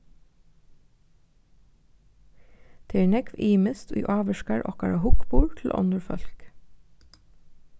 tað er nógv ymiskt ið ávirkar okkara hugburð til onnur fólk